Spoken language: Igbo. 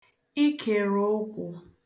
ikèrè ụkwụ̄